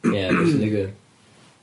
Ie, be sy'n digwydd?